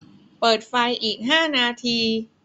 เปิดไฟอีกห้านาที